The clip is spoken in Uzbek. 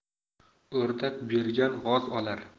o'rdak bergan g'oz olar